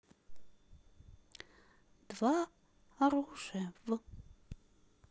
два оружия в